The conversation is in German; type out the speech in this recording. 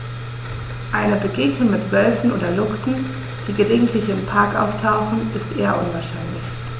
Eine Begegnung mit Wölfen oder Luchsen, die gelegentlich im Park auftauchen, ist eher unwahrscheinlich.